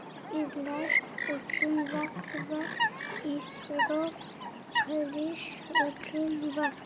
izlash uchun vaqt va isrof qilish uchun vaqt